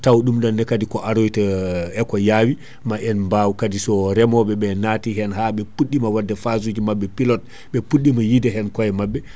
tawa ɗum ɗonne kaadi ko aroyta e ko yaawi ma en baw kaadi so reemoɓeɓe nati hen ha ɓe puɗɗima wadde phase uji mabɓe pilote ɓe pudɗima yiide hen koye mabɓe